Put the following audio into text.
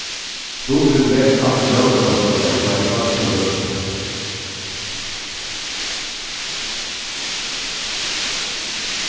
turið lesur altíð mótabløð og eygleiðir fólk á gøtuni